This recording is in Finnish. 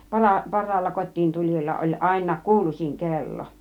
- parhaalla kotiintulijalla oli aina kuuluisin kello